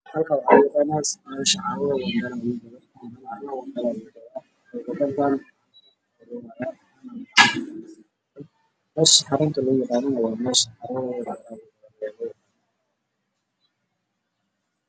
halkaan waxaa ka muuqdo taleefoon cadaan ah waxaa gacanta ku hayo nin